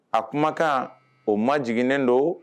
A kumakan o ma jiginnen don